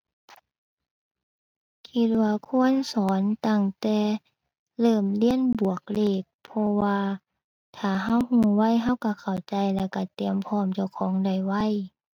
คิดว่าควรสอนตั้งแต่เริ่มเรียนบวกเลข เพราะว่าถ้าเราเราไวเราเราเข้าใจแล้วเราเตรียมพร้อมเจ้าของได้ไว